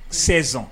Sɛsan